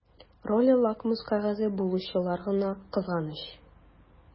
Роле лакмус кәгазе булучылар гына кызганыч.